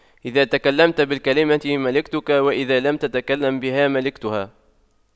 إذا تكلمت بالكلمة ملكتك وإذا لم تتكلم بها ملكتها